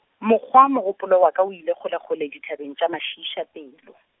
mokgwa mogopolo wa ka o ile kgolekgole dithabeng tša mašiišapelo.